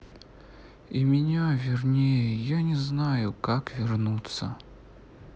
и меня вернее я не знаю как вернуться